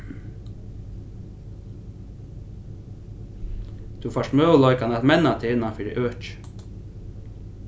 tú fært møguleikan at menna teg innan fyri økið